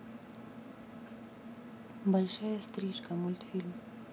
большая стрижка мультфильм